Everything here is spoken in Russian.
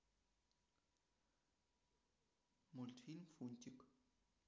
мультфильм фунтик